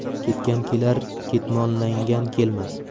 ketgan kelar ketmonlangan kelmas